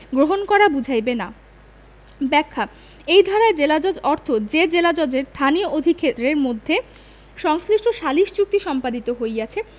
গ্রহণ করা বুঝাইবে না ব্যাখ্যা এই ধারায় জেলাজজ অর্থ যে জেলাজজের স্থানীয় অধিক্ষেত্রের মধ্যে সংশ্লিষ্ট সালিস চুক্তি সম্পাদিত হইয়াছে